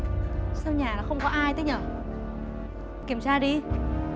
sao nhà lại không có ai thế nhờ kiểm tra đi